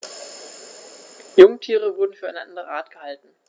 Jungtiere wurden für eine andere Art gehalten.